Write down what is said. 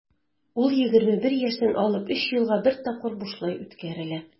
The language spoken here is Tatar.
Ул 21 яшьтән алып 3 елга бер тапкыр бушлай үткәрелә.